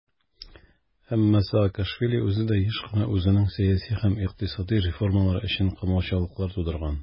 Әмма Саакашвили үзе дә еш кына үзенең сәяси һәм икътисади реформалары өчен комачаулыклар тудырган.